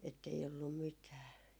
että ei ollut mitään